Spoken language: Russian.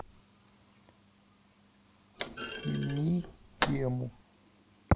смени тему